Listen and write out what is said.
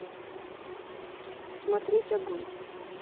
смотреть огонь